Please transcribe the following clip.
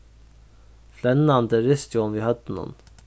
flennandi risti hon við høvdinum